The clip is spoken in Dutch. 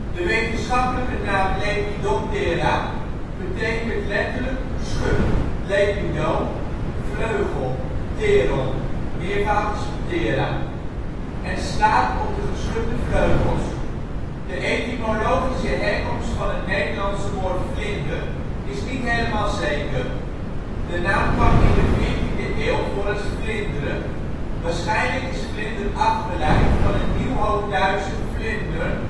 De wetenschappelijke naam Lepidoptera betekent letterlijk schub (lepido) - vleugel (pteron, meervoud ptera) en slaat op de geschubde vleugels. De etymologische herkomst van het Nederlandse woord vlinder is niet helemaal zeker. De naam kwam in de 14e eeuw voor als vlindre. Waarschijnlijk is vlinder afgeleid van het Nieuwhoogduitse flindern